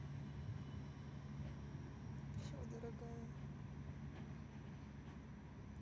все дорогая